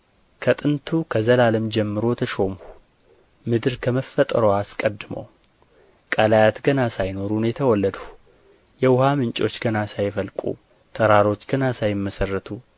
ከጥንቱ ከዘላለም ጀምሮ ተሾምሁ ምድር ከመፈጠርዋ አስቀድሞ ቀላያት ገና ሳይኖሩ እኔ ተወለድሁ የውኃ ምንጮች ገና ሳይፈልቁ ተራሮች ገና ሳይመሠረቱ